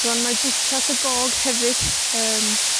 Rŵan mai Bwtsias y Gog hefyd, yym,